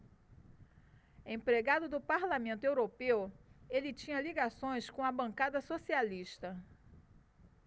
empregado do parlamento europeu ele tinha ligações com a bancada socialista